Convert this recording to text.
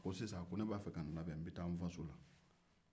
a ko ne b'a fɛ ka taa n faso la